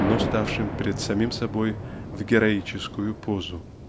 но ставшим пред самим собой в героическую позу.